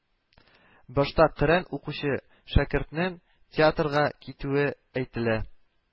Башта коръән укучы шәкертнең театрга китүе әйтелә